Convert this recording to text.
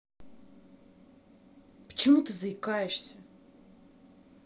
почему ты заикаешься